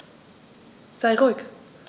Sei ruhig.